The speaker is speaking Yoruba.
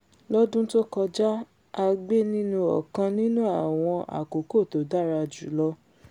Lọ́dún tó kọjá a gbé nínù ọ̀kan nínú àwọn àkókò tó dára jùlọ.